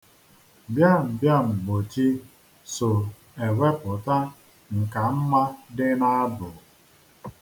Bịambịamgbochi so ewepụta nkamma dị n'abụ.